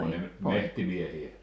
onko ne metsämiehiä